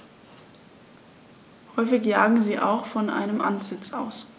Häufig jagen sie auch von einem Ansitz aus.